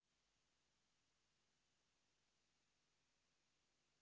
да это точно